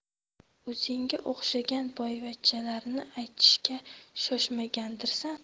o'zingga o'xshagan boyvachchalarni aytishga shoshmagandirsan